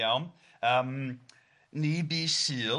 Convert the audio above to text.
Iawn? Yym ni bu Sul,